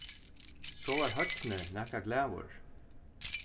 so var høgni nakað glaður